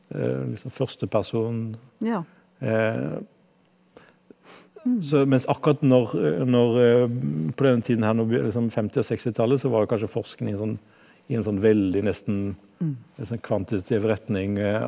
litt sånn førsteperson så mens akkurat når når på denne tiden her nå blir det sånn femti- og sekstitallet så var jo kanskje forskning sånn i en sånn veldig nesten nesten en kvantitativ retning.